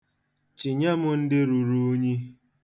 Chịnye m ndị ruru unyi.